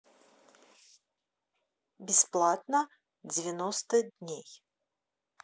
бесплатно девяносто дней